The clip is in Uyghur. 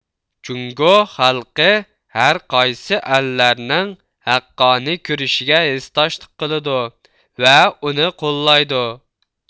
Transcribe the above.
جۇڭگو خەلقى ھەرقايسى ئەللەرنىڭ ھەققانىي كۈرىشىگە ھېسداشلىق قىلىدۇ ۋە ئۇنى قوللايدۇ